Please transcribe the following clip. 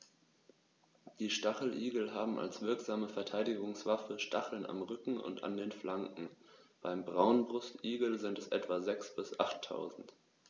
Die Stacheligel haben als wirksame Verteidigungswaffe Stacheln am Rücken und an den Flanken (beim Braunbrustigel sind es etwa sechs- bis achttausend).